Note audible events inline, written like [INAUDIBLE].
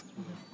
[HESITATION] [HESITATION]